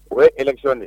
O ye kiti de